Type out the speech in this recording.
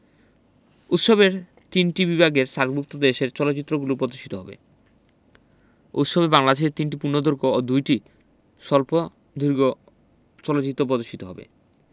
উৎসবের তিনটি বিভাগে সার্কভুক্ত দেশের চলচ্চিত্রগুলো পদর্শিত হবে উৎসবে বাংলাদেশের ৩টি পূর্ণদর্ঘ্য ও ২টি স্বল্পদৈর্ঘ্য চলচ্চিত্র পদর্শিত হবে